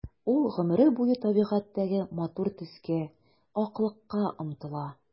Ул гомере буе табигатьтәге матур төскә— аклыкка омтыла.